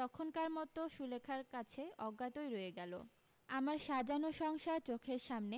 তখনকার মতো সুলেখার কাছে অজ্ঞাতৈ রয়ে গেলো আমার সাজানো সংসার চোখের সামনে